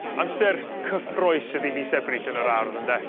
Amser cyffrous ydi mis Ebrill yn yr ardd ynde?